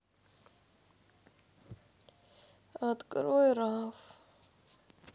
открой раф